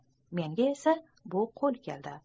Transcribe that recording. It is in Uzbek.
menga esa bu qo'l keldi